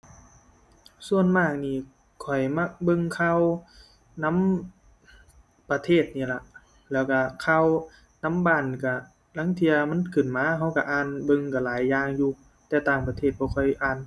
ส่วนมากหนิ ข้อยมักเบิ่งข่าวนำประเทศนี่ล่ะ แล้วก็ข่าวนำบ้านก็ ลางเที่ยมันขึ้นมา ก็ก็อ่านเบิ่งก็หลายอย่างอยู่ แต่ต่างประเทศบ่ค่อยอ่าน